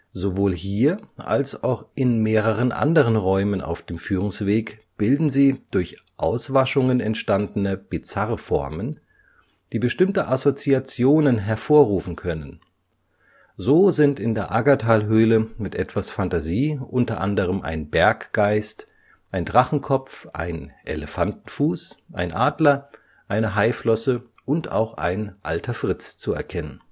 Sowohl hier als auch in mehreren anderen Räumen auf dem Führungsweg bilden sie durch Auswaschungen entstandene bizarre Formen, die bestimmte Assoziationen hervorrufen können. So sind in der Aggertalhöhle mit etwas Fantasie unter anderem ein Berggeist, ein Drachenkopf, ein Elefantenfuß, ein Adler, eine Haiflosse und auch ein Alter Fritz zu erkennen